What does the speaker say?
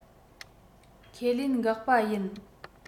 ཁས ལེན འགག པ ཡིན